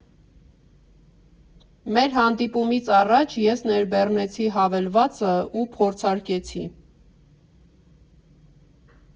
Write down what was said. Մեր հանդիպումից առաջ ես ներբեռնեցի հավելվածը ու փորձարկեցի։